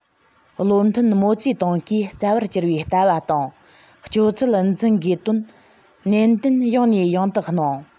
བློ མཐུན མའོ ཙེ ཏུང གིས རྩ བར གྱུར པའི ལྟ བ དང སྤྱོད ཚུལ འཛིན དགོས དོན ནན བཤད ཡང ནས ཡང དུ གནང